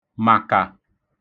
màkà